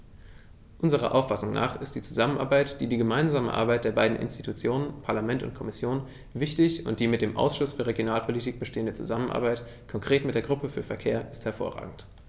Unserer Auffassung nach ist die Zusammenarbeit, die gemeinsame Arbeit der beiden Institutionen - Parlament und Kommission - wichtig, und die mit dem Ausschuss für Regionalpolitik bestehende Zusammenarbeit, konkret mit der Gruppe für Verkehr, ist hervorragend.